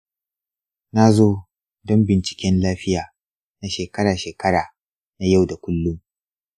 na zo don binciken lafiya na shekara-shekara na yau da kullum.